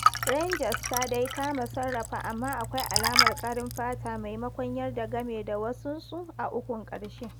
Rangers ta dai kama sarrafa amma akwai alamar ƙarin fata maimakon yarda game da wasansu a ukun ƙarshe.